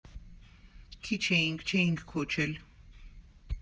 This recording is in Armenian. Քիչ էինք, չէինք քոչել։